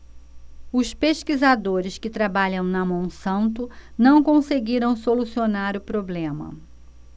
os pesquisadores que trabalham na monsanto não conseguiram solucionar o problema